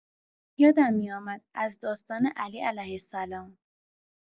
یادم می‌آمد از داستان علی (ع)